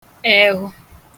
èhù